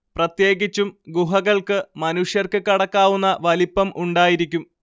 പ്രത്യേകിച്ചും ഗുഹകൾക്ക് മനുഷ്യർക്ക് കടക്കാവുന്ന വലിപ്പം ഉണ്ടായിരിക്കും